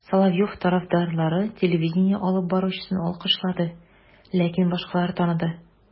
Соловьев тарафдарлары телевидение алып баручысын алкышлады, ләкин башкалар таныды: